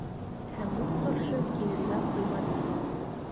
Һәм ул каршы килергә кыймады.